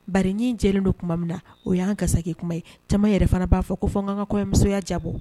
Bari ɲin jɛlen don kuma min na o ya gasaki kuma ye .cɛman yɛrɛ fana ba fɔ ko fɔ n ka n ka kɔɲɔmusoya jabɔ.